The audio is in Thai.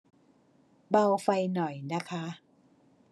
เบาไฟหน่อยนะคะ